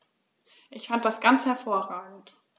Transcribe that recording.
Ich fand das ganz hervorragend.